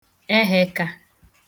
ehàeka